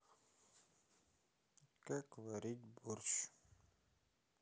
как варить борщ